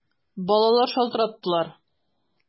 Балалар шалтыраттылар!